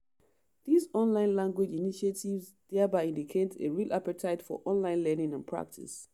These online language initiatives thereby indicate a real appetite for online learning and practice.